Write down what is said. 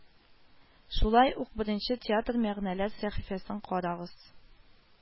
Шулай ук Беренче театр мәгънәләр сәхифәсен карагыз